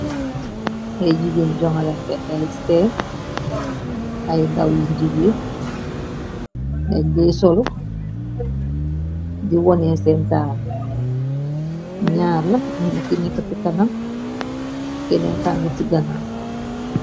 Ay jigeen jongalante ngai seen ay daw yi jigeen deng dex solu di wone sen taar ñaar la amna ki nekka ci kanam kenen kangi ci ganaw.